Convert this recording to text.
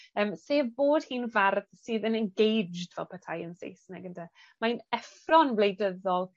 yym sef bod hi'n fardd sydd yn engaged fel petai yn Saesneg ynde? Mae'n effro'n wleidyddol